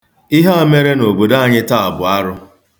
Ihe a mere n'obodo anyị taa bụ arụ.